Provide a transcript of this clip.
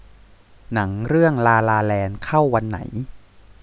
หนังเรื่องลาลาแลนด์เข้าวันไหน